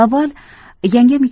avval yangam